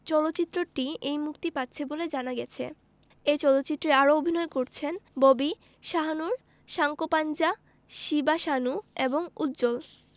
চলচ্চিত্রটিও এই মুক্তি পাচ্ছে বলে জানা গেছে এ চলচ্চিত্রে আরও অভিনয় করেছেন ববি শাহনূর সাঙ্কোপাঞ্জা শিবা সানু এবং উজ্জ্বল